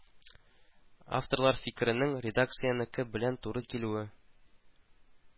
Авторлар фикеренең редакциянеке белән туры килүе